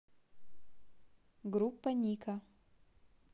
группа ника